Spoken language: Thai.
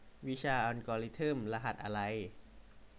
วิชาอัลกอริทึมรหัสอะไร